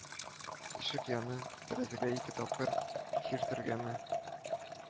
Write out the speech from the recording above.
– ишек яны тәрәзәгә ике тапкыр чиертергәме